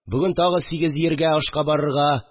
Бүген тагы сигез җиргә ашка барырга.